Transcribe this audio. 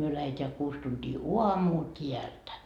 me lähdetään kuusi tuntia aamua täältä